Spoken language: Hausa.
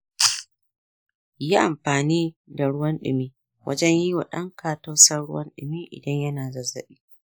yi amfani da ruwan ɗumi wajen yi wa ɗanka tausan ruwa idan yana zazzabi.